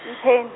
Mphen-.